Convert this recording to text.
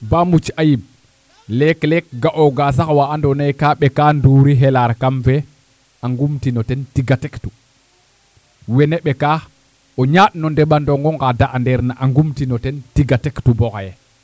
ba muc ayib leek leek ga'oogaa sax waa andoona yee gaa ɓeka nduuri xelaar kam fee a nqumtin o ten tig a tektu wene ɓekaa a ñaaƭ no ndeɓandong onga de andeeerna a nqumtin o ten tiga tektu bo xaye